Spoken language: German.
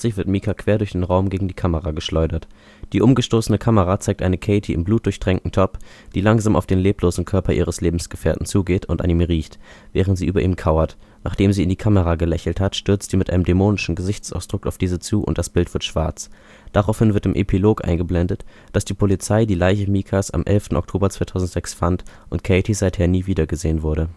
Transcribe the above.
wird Micah quer durch den Raum gegen die Kamera geschleudert. Die umgestoßene Kamera zeigt eine Katie im blutdurchtränkten Top, die langsam auf den leblosen Körper ihres Lebensgefährten zugeht und an ihm riecht, während sie über ihm kauert. Nachdem sie in die Kamera gelächelt hat, stürzt sie mit einem dämonischen Gesichtsausdruck auf diese zu und das Bild wird schwarz. Daraufhin wird im Epilog eingeblendet, dass die Polizei die Leiche Micahs am 11. Oktober 2006 fand und Katie seither nie wieder gesehen wurde